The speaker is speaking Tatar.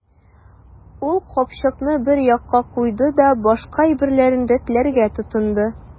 Ул капчыкны бер якка куйды да башка әйберләрен рәтләргә тотынды.